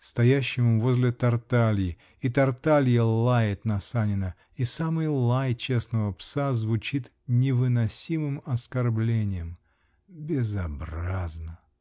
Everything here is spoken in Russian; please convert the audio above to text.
-- стоящему возле Тарталье, и Тарталья лает на Санина -- и самый лай честного пса звучит невыносимым оскорблением. Безобразно!